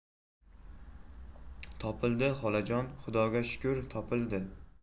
topildi xolajon xudoga shukr topildi